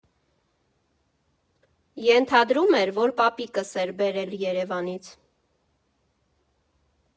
Ենթադրում էր, որ պապիկս էր բերել Երևանից։